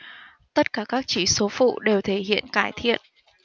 tất cả các chỉ số phụ đều thể hiện cải thiện